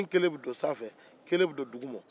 sen kelen bɛ don sanfɛ kelen bɛ don dugu ma